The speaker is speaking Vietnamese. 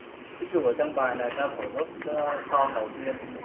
ví dụ trong bài này chúng ta thổi nốt g đầu tiên